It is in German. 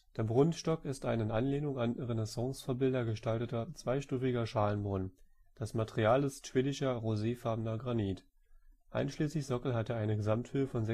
Der Brunnenstock ist ein in Anlehnung an Renaissancevorbilder gestalteter, zweistufiger Schalenbrunnen. Das Material ist schwedischer roséfarbener Granit. Einschließlich Sockel hat er eine Gesamthöhe von 6,50